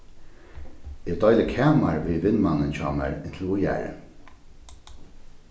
eg deili kamar við vinmannin hjá mær inntil víðari